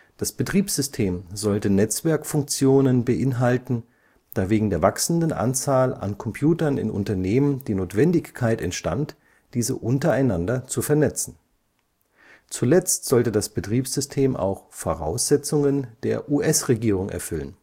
Das Betriebssystem sollte Netzwerkfunktionen beinhalten, da wegen der wachsenden Anzahl an Computern in Unternehmen die Notwendigkeit entstand, diese untereinander zu vernetzen. Zuletzt sollte das Betriebssystem auch Voraussetzungen der US-Regierung erfüllen